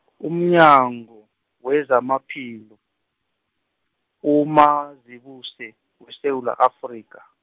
umnyango, wezamaphilo, uMazibuse weSewula Afrika.